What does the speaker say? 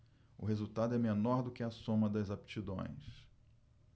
o resultado é menor do que a soma das aptidões